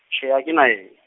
tjhee ha kena yena.